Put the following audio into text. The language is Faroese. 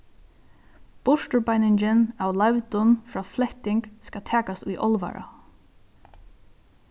burturbeiningin av leivdum frá fletting skal takast í álvara